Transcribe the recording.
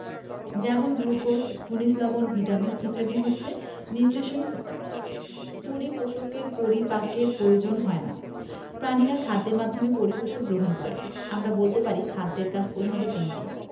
যেমন গ্লুকোজ খনিজ লবন ভিটামিন ইত্যাদি হচ্ছে নিউট্টেশনস পরিপোষকের পরিপাকের প য়োজন হয় না প্রাণীরা খাদ্যের মাধ্যমে পরিপোষক গ্রহণ করে আমরা বলতে পারি খাদ্যের কাজ প্রধানত তিনটি